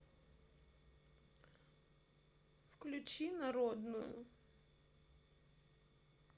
включи народную